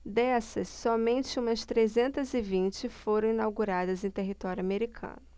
dessas somente umas trezentas e vinte foram inauguradas em território americano